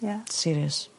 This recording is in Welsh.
Ia? Serious.